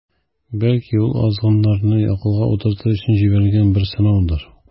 Бәлки, ул азгыннарны акылга утыртыр өчен җибәрелгән бер сынаудыр.